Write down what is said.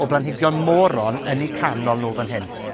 o blanhigion moron yn 'u canol nw fan hyn.